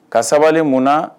Ka sabali mun na